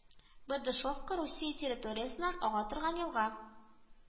Бердышевка Русия территориясеннән ага торган елга